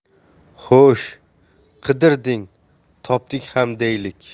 xo'sh qidirding topding ham deylik